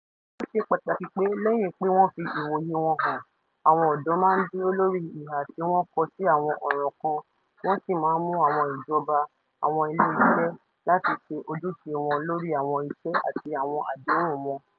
Ó ṣe pàtàkì pé lẹ́yìn pé wọ́n fi ìwòye wọn hàn, àwọn ọ̀dọ́ máa ń dúró lórí ìhà tí wọ́n kọ sí àwọn ọ̀ràn kan wọ́n sì máa ń mú àwọn ìjọba, àwọn ilé iṣẹ́, àti àwọn ilé iṣẹ́ láti ṣe ojúṣe wọn lórí àwọn ìṣe àti àwọn àdéhùn wọn.